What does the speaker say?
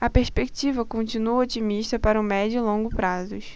a perspectiva continua otimista para o médio e longo prazos